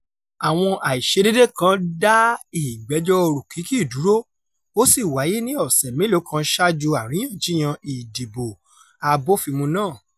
Àwọn àìṣedede kan dá ìgbẹ́jọ́ Rukiki dúró, ó sì wáyé ní ọ̀sẹ̀ mélòó kan ṣáájú àríyànjiyàn ìdìbò abófinmu náà.